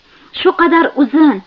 shu qadar uzun